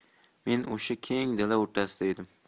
men o'sha keng dala o'rtasida edim